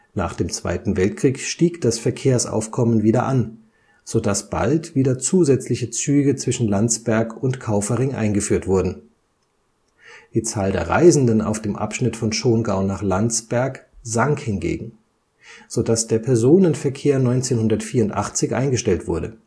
Nach dem Zweiten Weltkrieg stieg das Verkehrsaufkommen wieder an, sodass bald wieder zusätzliche Züge zwischen Landsberg und Kaufering eingeführt wurden. Die Zahl der Reisenden auf dem Abschnitt von Schongau nach Landsberg sank hingegen, sodass der Personenverkehr 1984 eingestellt wurde